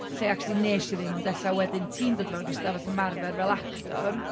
Lle, actually, wnes i ddim. Ond ella wedyn ti’n dod fewn i’r stafell ymarfer fel actor…